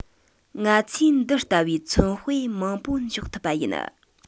ང ཚོས འདི ལྟ བུའི མཚོན དཔེ མང པོ འཇོག ཐུབ པ ཡིན